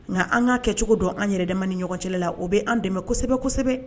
Nka an' kan kɛcogo dɔn an yɛrɛ de ni ɲɔgɔncɛ la o bɛ an dɛmɛ kosɛbɛ kosɛbɛ